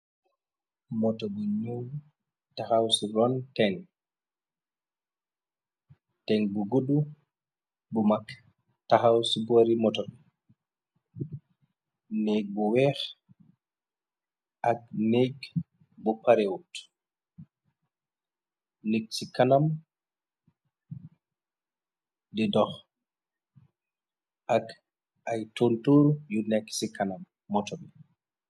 Moto bi nyul taxaw ci rontan teng bu gudd bu mag taxaw ci bori moto bi négg bu weex ak négg bu parewut neg ci kanam di dox ak ay tuntur yu nekk ci kanam moto bi.